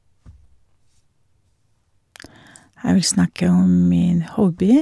Jeg vil snakke om min hobby.